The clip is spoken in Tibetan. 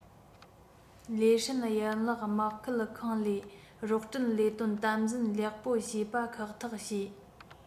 ལེ ཧྲན ཡན ལག དམག ཁུལ ཁང ལས རོགས སྐྲུན ལས དོན དམ འཛིན ལེགས པོར བྱོས པ ཁག ཐག བྱོས